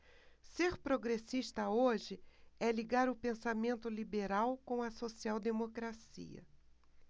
ser progressista hoje é ligar o pensamento liberal com a social democracia